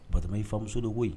Ba y ii famuso de koyi koyi